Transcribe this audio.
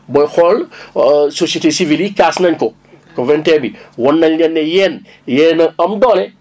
booy xool société civile yi kaas nañ ko COP 21 bi wan nañ leen ne yéen yéen a am doole